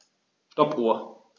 Stoppuhr.